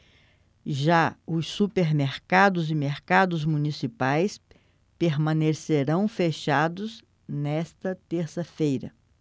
já os supermercados e mercados municipais permanecerão fechados nesta terça-feira